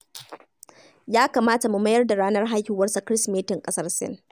Ya kamata mu mayar da ranar haihuwarsa Kirsimetin ƙasar Sin.